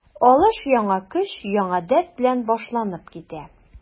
Алыш яңа көч, яңа дәрт белән башланып китә.